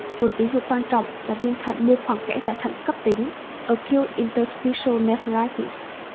một ví dụ quan trọng là viêm thận mô khoảng kẽ tại thận cấptính